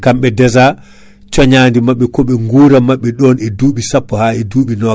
sinno ko temedere calcul teno ko nogas tan ili capanɗe jeetati ɗe foof ilani